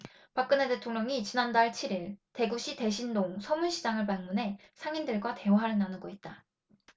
박근혜 대통령이 지난달 칠 일 대구시 대신동 서문시장을 방문해 상인들과 대화를 나누고 있다